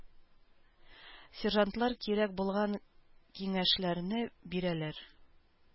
Сержантлар кирәк булган киңәшләрне бирәләр.